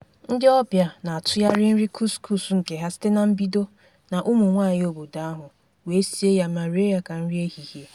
Ndị ọbịa na-atụgharị nrị kuskus nke ha site na mbido, na ụmụnwaanyị obodo ahụ, wee sie ya ma rie ya ka nri ehihie.